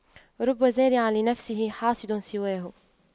رب زارع لنفسه حاصد سواه